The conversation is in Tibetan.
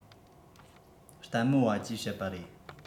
ལྟད མོ བ ཅེས བཤད པ རེད